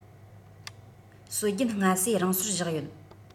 སྲོལ རྒྱུན སྔ ཟས རང སོར བཞག ཡོད